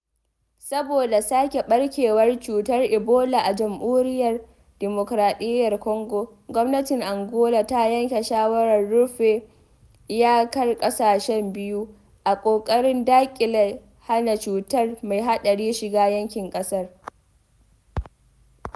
Saboda sake ɓarkewar cutar ebola a Jamhuriyar Dimokradiyyar Kwango, gwamnatin Angola ta yanke shawarar rufe iyakar ƙasashen biyu, a ƙoƙarin daƙile hana cutar mai haɗari shiga yankin ƙasar.